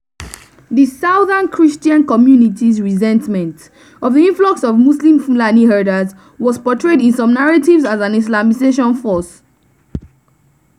The southern Christian communities’ resentment of the influx of Muslim Fulani herders was portrayed in some narratives as an 'Islamisation' force.